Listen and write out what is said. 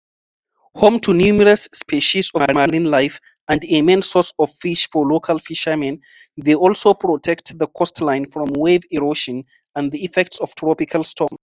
Home to numerous species of marine life (and a main source of fish for local fishermen), they also protect the coastline from wave erosion and the effects of tropical storms.